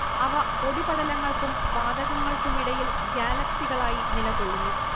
അവ പൊടിപടലങ്ങൾക്കും വാതകങ്ങൾക്കുമിടയിൽ ഗ്യാലക്സികളായി നിലകൊള്ളുന്നു